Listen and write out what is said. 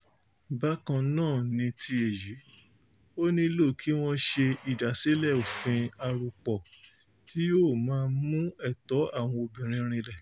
Bákan náà ni ti èyí, ó nílò kí wọ́n ṣe ìdásílẹ̀ òfin arọ́pò tí yóò mú ẹ̀tọ́ àwọn obìnrin rinlẹ̀.